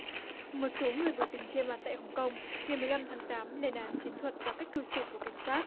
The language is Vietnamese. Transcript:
một số người biểu tình che mặt tại hồng công ngày mười lăm tháng tám lên án chiến thuật và cách cư xử của cảnh sát